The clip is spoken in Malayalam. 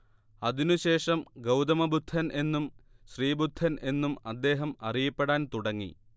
അതിനുശേഷം ഗൗതമബുദ്ധൻ എന്നും ശ്രീബുദ്ധൻ എന്നും അദ്ദേഹം അറിയപ്പെടാൻ തുടങ്ങി